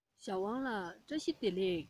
ཞའོ ཝང ལགས བཀྲ ཤིས བདེ ལེགས